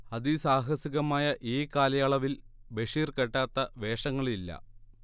അതിസാഹസികമായ ഈ കാലയളവിൽ ബഷീർ കെട്ടാത്ത വേഷങ്ങളില്ല